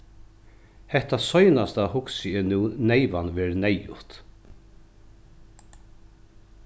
hetta seinasta hugsi eg nú neyvan verður neyðugt